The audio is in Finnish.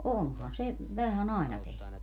onhan se vähän aina tehnyt